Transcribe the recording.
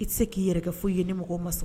I tɛ se k'i yɛrɛ kɛ f foyi ye ne mɔgɔ ma sɔn